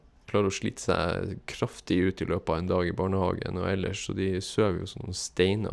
Klarer å slite seg kraftig ut i løpet av en dag i barnehagen og ellers, så de sover jo som noen steiner.